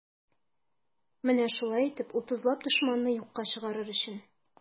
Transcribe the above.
Менә шулай итеп, утызлап дошманны юкка чыгарыр өчен.